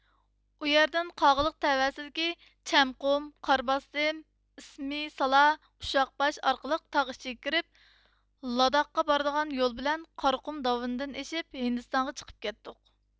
ئۇ يەردىن قاغىلىق تەۋەسىدىكى چەچ قۇم قار باستىم ئىسمىسالا ئۇششاقباش ئارقىلىق تاغ ئىچىگە كىرىپ لاداققا بارىدىغان يول بىلەن قارا قۇرۇم داۋىنىدىن ئېشىپ ھىندىستانغا چىقىپ كەتتۇق